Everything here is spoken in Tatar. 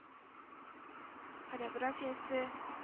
Хореографиясе к